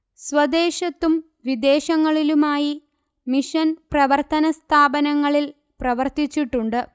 സ്വദേശത്തും വിദേശങ്ങളിലുമായി മിഷൻ പ്രവർത്തന സ്ഥാപനങ്ങളിൽ പ്രവർത്തിച്ചിട്ടുണ്ട്